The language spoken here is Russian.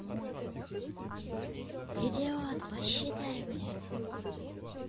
идиот посчитай блядь